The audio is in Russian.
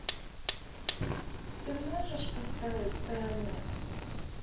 ты можешь поставить таймер